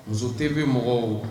Muso TV mɔgɔw